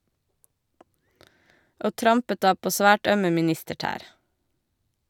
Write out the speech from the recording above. Og trampet da på svært ømme ministertær.